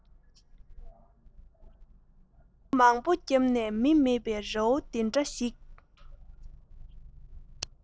ལུང མང པོ བརྒྱབ ནས མི མེད པའི རི བོ འདི འདྲ ཞིག